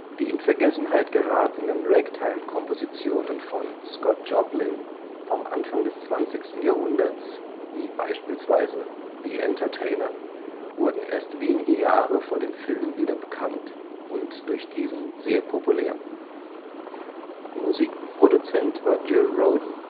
Die in Vergessenheit geratenen Ragtime-Kompositionen von Scott Joplin vom Anfang des 20. Jahrhunderts, wie beispielsweise The Entertainer, wurden erst wenige Jahre vor dem Film wieder bekannt und durch diesen sehr populär. Musikproduzent war Gil Rodin